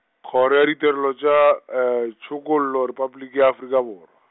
Kgoro ya Ditirelo tša, Tshokollo Repabliki ya Afrika Borwa.